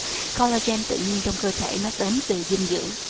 co lơ gien tự nhin trong cơ thể nó đến từ dinh dưỡng